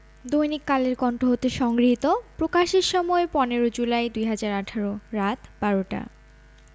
দৈনিক কালের কন্ঠ হতে সংগৃহীত প্রকাশের সময় ১৫ জুলাই ২০১৮ রাত ১২টা